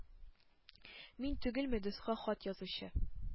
Мин түгелме дуска хат язучы,